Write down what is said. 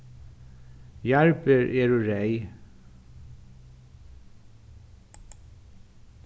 jarðber eru reyð